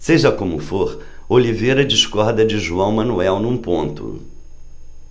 seja como for oliveira discorda de joão manuel num ponto